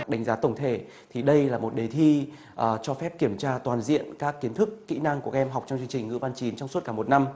đánh giá tổng thể thì đây là một đề thi ở cho phép kiểm tra toàn diện các kiến thức kỹ năng của em học trong chương trình ngữ văn chín trong suốt cả một năm